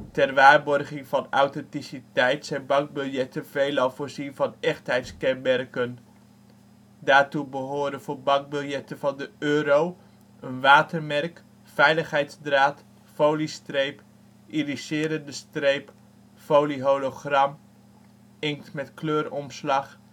Ter waarborging van authenticiteit zijn bankbiljetten veelal voorzien van echtheidskenmerken. Daartoe behoren voor bankbiljetten van de euro: Watermerk Veiligheidsdraad Foliestreep Iriserende streep Foliehologram Inkt met kleuromslag